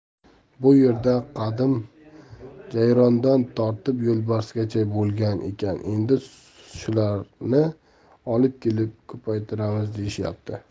bu yerda qadim jayrondan tortib yo'lbarsgacha bo'lgan ekan endi shularni olib kelib ko'paytiramiz deyishyapti